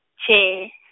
tjhe .